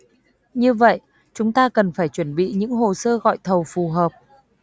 như vậy chúng ta cần phải chuẩn bị những hồ sơ gọi thầu phù hợp